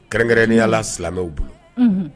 Kɛrɛnkɛrɛnyala silamɛw bolo